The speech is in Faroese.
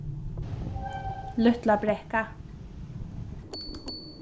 lítlabrekka